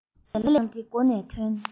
ང མལ ལས ལངས ཏེ སྒོ ནས ཐོན